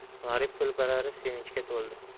g'arib kulbalari sevinchga to'ldi